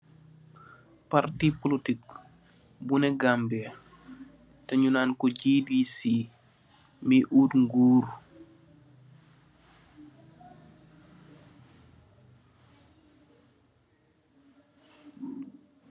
Parti polatig bu ne Gambia, te nyu nanko GDC mi oot ngor